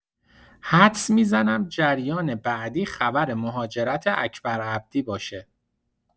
حدس می‌زنم جریان بعدی خبر مهاجرت اکبری عبدی باشه.